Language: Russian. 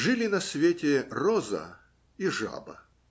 Жили на свете роза и жаба.